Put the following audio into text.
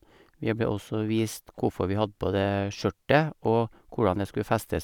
Vi ble også vist hvorfor vi hadde på det skjørtet, og hvordan det skulle festes.